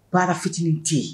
Baara fitinin tɛ yen